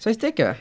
Saithdegau?